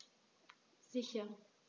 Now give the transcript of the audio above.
Sicher.